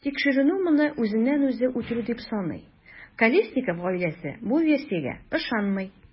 Тикшеренү моны үзен-үзе үтерү дип саный, Колесников гаиләсе бу версиягә ышанмый.